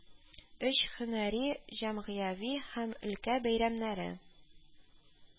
Өч һөнәри, җәмгыяви һәм өлкә бәйрәмнәре